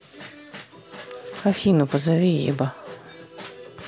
афину позови еба